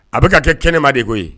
A bɛka ka kɛ kɛnɛma de koyi ye